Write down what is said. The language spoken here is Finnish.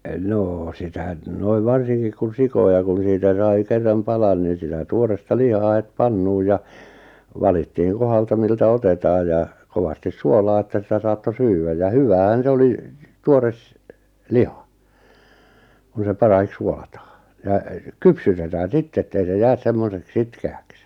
no sitä - noin varsinkin kun sikoja kun siitä sai kerran palan niin sitä tuoretta lihaa heti pannuun ja valittiin kohdalta miltä otetaan ja kovasti suolaa että sitä saattoi syödä ja hyväähän se oli tuore liha kun se parahiksi suolataan ja kypsytetään sitten että ei se jää semmoiseksi sitkeäksi